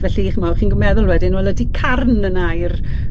Felly ch'mo' chi'n gy- meddwl wedyn wel ydi carn yn air